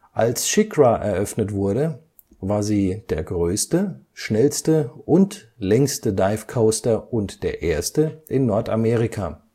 Als Sheikra eröffnet wurde, war sie der größte, schnellste und längste Dive Coaster und der erste in Nordamerika